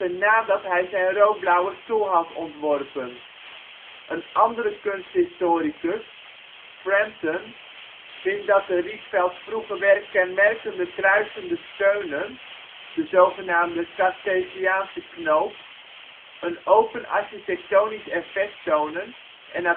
nadat hij zijn Rood-blauwe stoel had ontworpen. Een andere kunsthistoricus, Frampton, vindt dat de Rietvelds vroege werk kenmerkende kruisende steunen (de zogenaamde Cartesiaanse knoop) ‘een open architectonisch effect tonen en